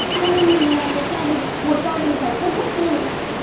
anh em mình là một gia đình một gia đình phải thân hết mình